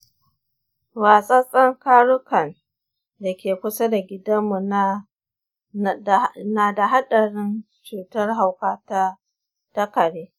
watsattsen karukan da ke kusa da gidanmu na da haɗarin cutar hauka ta kare.